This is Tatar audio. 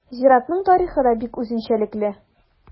Зиратның тарихы да бик үзенчәлекле.